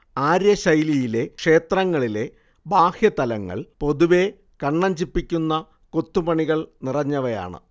ആര്യശൈലിയിലെ ക്ഷേത്രങ്ങളിലെ ബാഹ്യതലങ്ങൾ പൊതുവെ കണ്ണഞ്ചിപ്പിക്കുന്ന കൊത്തുപണികൾ നിറഞ്ഞവയാണ്